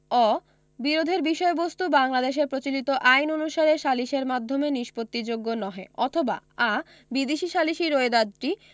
অ বিরোধের বিষয়বস্তু বাংলাদেশে প্রচলিত আইন অনুসারে সালিসের মাধ্যমে নিষ্পত্তিযোগ্য নহে অথবা আ বিদেশী সালিসী রোয়েদাদটি